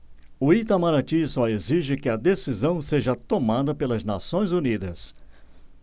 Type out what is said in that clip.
o itamaraty só exige que a decisão seja tomada pelas nações unidas